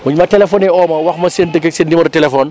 bu ñu ma téléphoné oo ma wax ma seen dëkk ak seen numéro téléphone